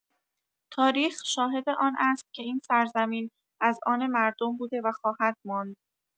تاریخ شاهد آن است که این سرزمین از آن مردم بوده و خواهد ماند.